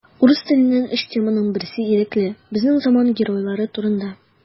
Урыс теленнән өч теманың берсе ирекле: безнең заман геройлары турында.